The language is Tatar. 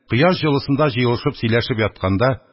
Кояш җылысында җыелышып сөйләшеп ятканда: